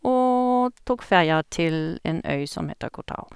Og tok ferja til en øy som heter Ko Tao.